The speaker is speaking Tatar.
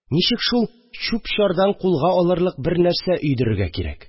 Ничек шул чүп-чардан кулга алырлык бер нәрсә өйдерергә кирәк